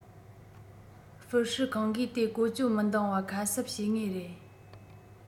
ཧྥུའུ ཧྲི ཁང གིས དེ བཀོལ སྤྱོད མི འདང བ ཁ གསབ བྱེད ངེས རེད